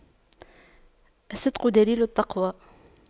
الصدق دليل التقوى